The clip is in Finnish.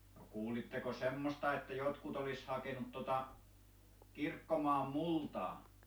no kuulitteko semmoista että jotkut olisi hakenut tuota kirkkomaan multaa